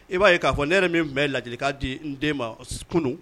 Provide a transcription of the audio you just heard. I b'a ye k'a fɔ ne yɛrɛ min tun bɛ ladilikan di n den ma kunun